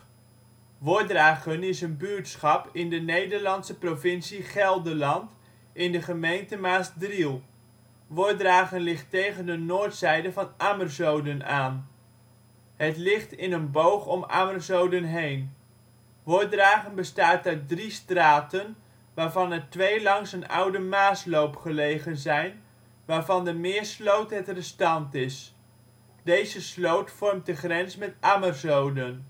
buurtschap in de Nederlandse provincie Gelderland, in de gemeente Maasdriel. Wordragen ligt tegen de noordzijde van Ammerzoden aan; het ligt in een boog om Ammerzoden heen. Wordragen bestaat uit drie straten, waarvan er twee langs een oude Maasloop gelegen zijn, waarvan de Meersloot het restant is. Deze sloot vormt de grens met Ammerzoden